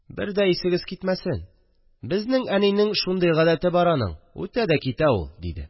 – бер дә исегез китмәсен, безнең әнинең шундый гадәте бар аның, үтә дә китә ул, – диде